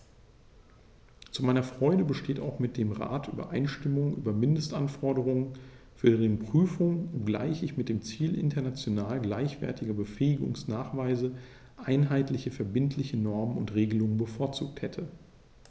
Zu meiner Freude besteht auch mit dem Rat Übereinstimmung über Mindestanforderungen für deren Prüfung, obgleich ich mit dem Ziel international gleichwertiger Befähigungsnachweise einheitliche verbindliche Normen und Regelungen bevorzugt hätte.